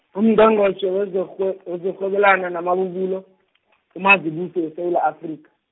Ungqongqotjhe wezerhwe- wezokurhwebelana namabululo , uMazibuse weSewula Afrika.